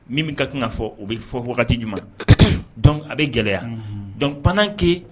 Min min ka kan ka fɔ o bɛ fɔ wagati jumɛn a bɛ gɛlɛya dɔn pannanke